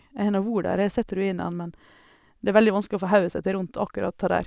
Jeg har nå vore der, jeg har sett ruinene, men det er veldig vanskelig å få hodet sitt i rundt akkurat det der.